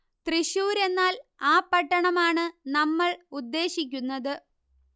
തൃശ്ശൂർ എന്നാൽ ആ പട്ടണം ആണ് നമ്മൾ ഉദ്ദേശിക്കുന്നത്